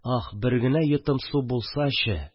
Аһ, бер генә йотым су булсачы!..